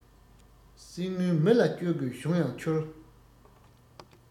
གསེར དངུལ མི ལ བཅོལ དགོས བྱུང ཡང ཆོལ